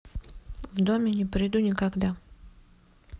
в доме не приду никогда